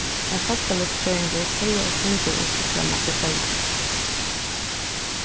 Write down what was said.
ein fólkalívsfrøðingur segði eitt sindur um fuglamat í føroyum